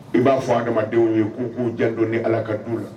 I b'a fɔdamadenw ye k'u k'u jɛ don ni ala ka du u la